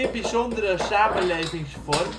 samenlevingsvorm is de